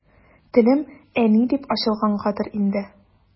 Телем «әни» дип ачылгангадыр инде.